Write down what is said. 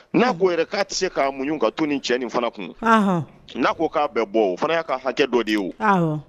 N'a k'a tɛ se k'a muɲ ka tu ni cɛ nin fana kun n'a ko k'a bɛ bɔ o fara y'a ka hakɛ dɔ de ye o